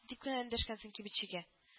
Дип кенә эндәшкәнсең кибетчегә